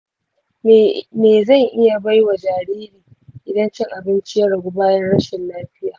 me zan iya bai wa jariri idan cin abinci ya ragu bayan rashin lafiya?